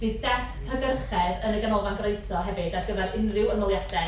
Bydd desg hygyrchedd yn y Ganolfan Groeso hefyd ar gyfer unrhyw ymholiadau.